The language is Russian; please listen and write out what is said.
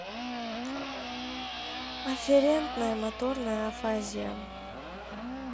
афферентная моторная афазия